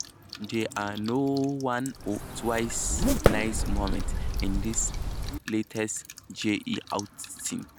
There are one or two nice moments in this latest JE outing.